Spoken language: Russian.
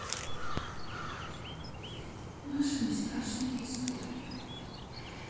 машины страшные истории